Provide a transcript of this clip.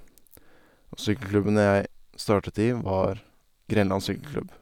Og sykkelklubben jeg startet i, var Grenland Sykkelklubb.